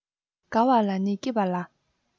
དགའ བ ལ ནི སྐྱིད པ ལ